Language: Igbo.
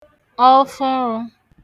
ọfụnrū